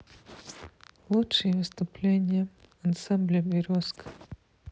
лучшие выступления ансамбля березка